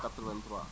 83